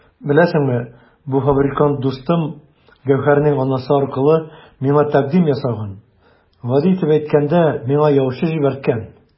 Беләсеңме, бу фабрикант дустым Гәүһәрнең анасы аркылы миңа тәкъдим ясаган, гади итеп әйткәндә, миңа яучы җибәрткән!